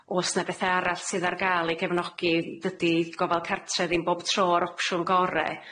O's 'na bethe arall sydd ar ga'l i gefnogi? Dydi gofal cartre ddim bob tro yr opsiwn gore.